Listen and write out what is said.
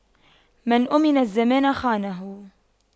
من أَمِنَ الزمان خانه